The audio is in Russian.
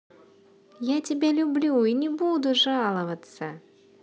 я тебя люблю и не буду жаловаться